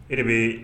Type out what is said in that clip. E de bɛ